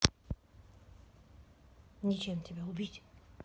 ничем тебя убить